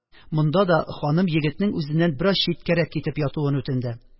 Монда да ханым егетнең үзеннән бераз читкәрәк китеп ятуын үтенде.